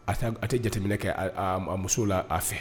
A a tɛ jateminɛ kɛ a muso la a fɛ